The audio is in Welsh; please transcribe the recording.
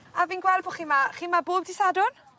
A fi'n gweld bo' chi 'ma, chi 'ma bob dy' Sadwrn?